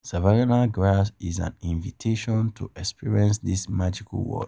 Savannah Grass is an invitation to experience this magical world.